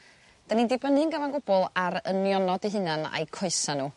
'dan ni'n dibynnu'n gyfan gwbwl ar y nionod eu hunan a'u coesa n'w